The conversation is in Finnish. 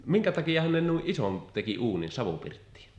minkä takiahan ne niin ison teki uunin savupirttiin